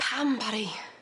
Pam, Bari?